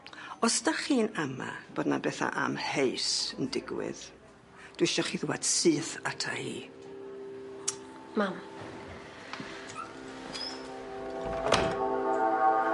Os dach chi'n ama bod 'na betha amheus yn digwydd dwi isio chi ddŵad syth ata i. Mam.